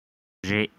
རེད